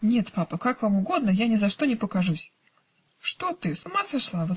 Нет, папа, как вам угодно: я ни за что не покажусь". -- "Что ты, с ума сошла?